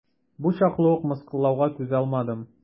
Бу чаклы ук мыскыллауга түзалмадым.